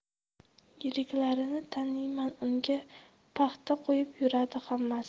yiriklarini taniyman unga paxta qo'yib yuradi hammasi